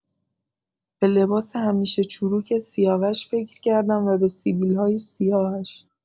به لباس همیشه چروک سیاوش فکر کردم و به سیبیل‌های سیاهش.